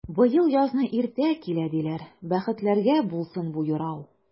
Быел язны иртә килә, диләр, бәхетләргә булсын бу юрау!